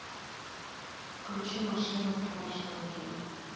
включи машины страшилки